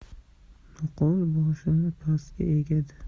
nuqul boshimni pastga egadi